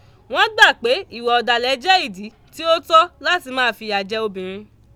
wọ́n gbà pé ìwà ọ̀dàlẹ̀ jẹ́ ìdí tí ó tọ́ láti máa fìyà jẹ obìnrin.